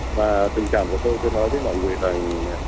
và tình cảm của tôi tôi nói với mọi người rằng